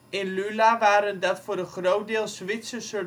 In Lula waren dat voor een groot deel Zwitserse